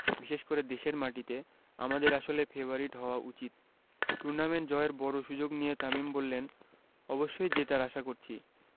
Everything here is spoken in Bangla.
বিশেষ করে দেশের মাটিতে আমাদের আসলে ফেবারিট হওয়া উচিত টুর্নামেন্ট জয়ের বড় সুযোগ নিয়ে তামিম বললেন অবশ্যই জেতার আশা করছি